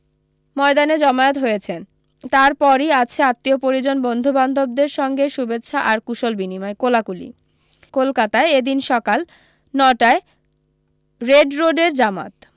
ময়দানে জমায়েত হয়েছেন তারপরই আছে আত্মীয় পরিজন বন্ধুবান্ধবদের সঙ্গে শুভেচ্ছা আর কূশল বিনিময় কোলাকুলি কলকাতায় এদিন সকাল ন টায় রেড রোডে জামাত